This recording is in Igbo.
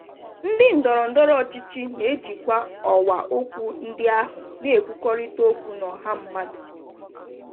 Ndị ndọrọ ndọrọ ọchịchị na-ejikwa ọwa okwu ndị ahụ na-ekwukọrịta okwu n'ọha mmadụ?